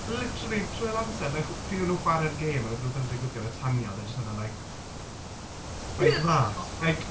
Literally, trwy'r amser, wna i... pryd o'n nhw'n chwarae'r gêm oedd rywbeth yn digwydd gyda Tanya a oedd e jyst yna like like that, like...